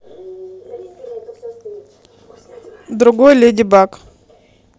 другой леди баг